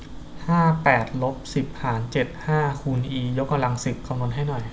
ห้าแปดลบสิบหารเจ็ดห้าคูณอียกกำลังสิบคำนวณให้หน่อย